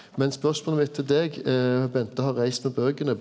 men spørsmålet mitt til deg Bente har reist med bøkene.